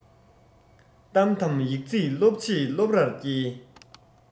གཏམ དང ཡིག རྩིས སློབ ཆེད སློབ རར བསྐྱེལ